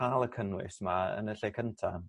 ca'l y cynnwys 'ma yn y lle cynta.